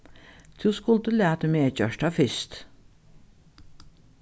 tú skuldi latið meg gjørt tað fyrst